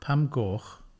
Pam "goch"?